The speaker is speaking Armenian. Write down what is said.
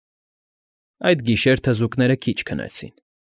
Այդ գիշեր թզուկները քիչ քնեցին։